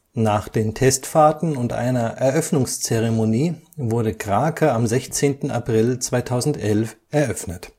Nach den Testfahrten und einer Eröffnungszeremonie wurde Krake am 16. April 2011 eröffnet